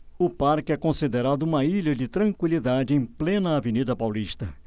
o parque é considerado uma ilha de tranquilidade em plena avenida paulista